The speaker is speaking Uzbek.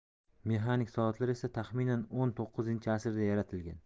mexanik soatlar esa taxminan o'n to'qqizinchi asrda yaratilgan